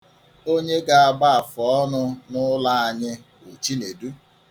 Onye ga-agba àfùọnụ̄ n'ụlọ anyị bụ Chinedu.